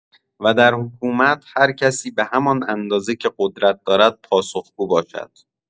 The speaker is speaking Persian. و در حکومت هر کسی به همان اندازه که قدرت دارد، پاسخگو باشد.